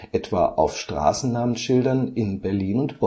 etwa auf Straßennamenschildern in Berlin und